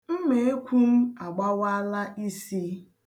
Mmeekwu m agbawaala isi.